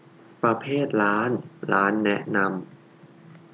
ประเภทร้านร้านแนะนำ